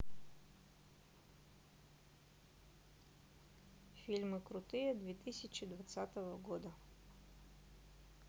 фильмы крутые две тысячи двадцатого года